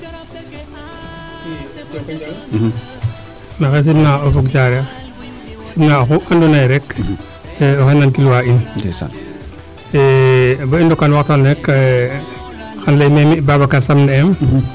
iyo njoko njal mxey simna o fog Diarere simna oxuu ando naye rek waxey nan gilooxa in bo i ndoka no waxtaan le rek kam leyee mi Babacar samb ne eem